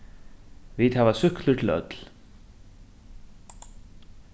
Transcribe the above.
vit hava súkklur til øll